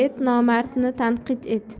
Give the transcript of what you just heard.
nomardni tanqid et